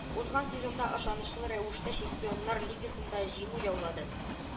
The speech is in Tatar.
Узган сезонда ышанычлы рәвештә чемпионнар лигасында җиңү яулады